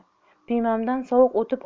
piymamdan sovuq o'tib